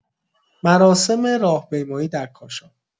مراسم راهپیمایی در کاشان